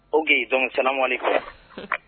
Ok donc salamalekum